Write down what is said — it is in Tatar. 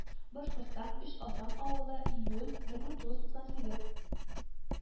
Башкортстан, Өч Асан авылы, июль, бер мең тугыз туксан сигез